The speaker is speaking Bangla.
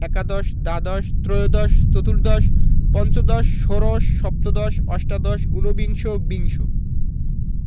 একাদশ দ্বাদশ ত্ৰয়োদশ চতুর্দশ পঞ্চদশ ষোড়শ সপ্তদশ অষ্টাদশ উনবিংশ বিংশ